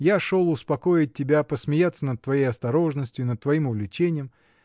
Я шел успокоить тебя, посмеяться над твоей осторожностью и над своим увлечением.